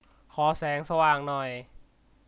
ขอแสงสว่างหน่อย